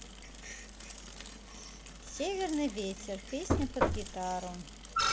северный ветер песня под гитару